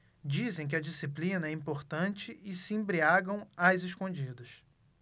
dizem que a disciplina é importante e se embriagam às escondidas